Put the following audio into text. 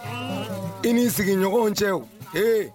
I ni'i sigiɲɔgɔn cɛ h